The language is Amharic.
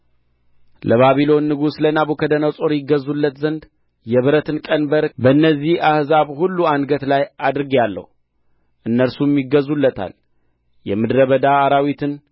ለባቢሎን ንጉሥ ለናቡከደነፆር ይገዙለት ዘንድ የብረትን ቀንበር በእነዚህ አሕዛብ ሁሉ አንገት ላይ አድርጌአለሁ እነርሱም ይገዙለታል የምድረ በዳ አራዊት